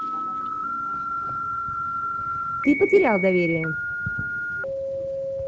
ты потерял доверие